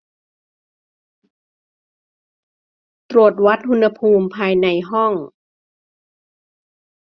ตรวจวัดอุณหภูมิภายในห้อง